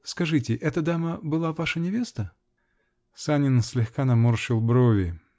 Скажите -- эта дама была ваша невеста? Санин слегка наморщил брови.